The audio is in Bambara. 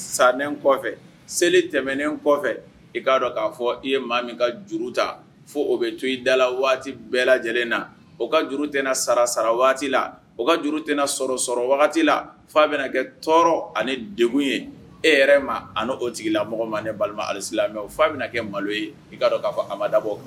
Sanen kɔfɛ seli tɛmɛnen kɔfɛ i'a dɔn k'a fɔ i ye maa min ka juru ta fo o bɛ to i da la waati bɛɛ lajɛlen na o ka juru tɛna sara sara la o ka juru tɛna sɔrɔ sɔrɔ la fa bɛna kɛ tɔɔrɔ ani deg ye e yɛrɛ ma ani o tigila mɔgɔ ma ni balima ali la mɛ fa bɛna kɛ malo ye i'a dɔn k'a fɔ a dabɔ kan